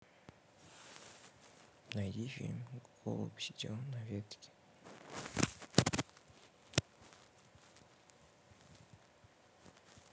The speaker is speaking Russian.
найди фильм голубь сидел на ветке